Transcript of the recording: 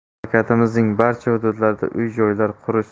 mamlakatimizning barcha hududlarida uy joylar qurish